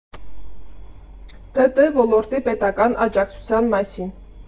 ՏՏ ոլորտի պետական աջակցության մասին։